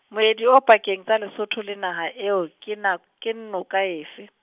moedi o pakeng tsa Lesotho le naha eo ke na ke noka efe?